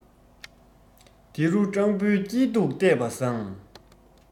འདི རུ སྤྲང པོའི སྐྱིད སྡུག བལྟས པ བཟང